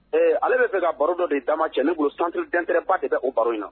Ee ale bɛ se ka baro dɔ de da cɛ ne k'o santuurudteɛrɛba de bɛ o baro in na